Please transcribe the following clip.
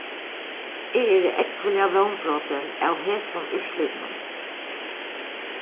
eg eri ógvuliga vónbrotin av hesum úrslitinum